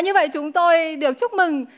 như vậy chúng tôi được chúc mừng